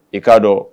I ka dɔn